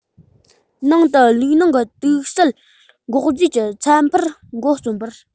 ནང དུ ལུས ནང གི དུག སྲིན འགོག རྫས ཀྱི ཚད འཕར མགོ རྩོམ པར